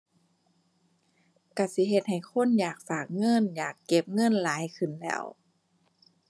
ก็สิเฮ็ดให้คนอยากฝากเงิน อยากเก็บเงินหลายขึ้นแหล้ว